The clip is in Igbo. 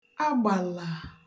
agbàlà